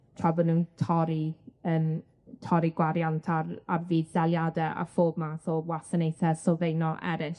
tra bo' nw'n torri yym torri gwariant ar ar fudd-daliade a phob math o wasanaethe sylfaenol eryll.